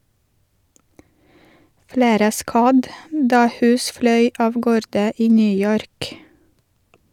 Flere ble skadd da hus fløy av gårde i New York.